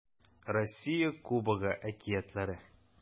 Россия Кубогы әкиятләре